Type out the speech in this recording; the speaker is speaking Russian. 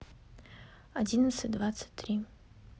одиннадцать двадцать три